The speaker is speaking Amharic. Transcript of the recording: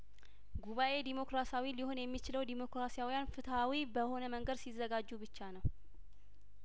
ጉባኤ ዴሞክራሲያዊ ሊሆን የሚችለው ዴሞክራሲያዊያን ፍትሀዊ በሆነ መንገድ ሲዘጋጁ ብቻ ነው